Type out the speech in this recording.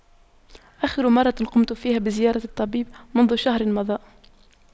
آخر مرة قمت فيها بزيارة الطبيب منذ شهر مضى